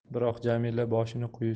biroq jamila boshini quyi